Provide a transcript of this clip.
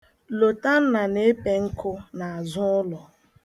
Lotanna na-epe nkụ n'azụụlọ.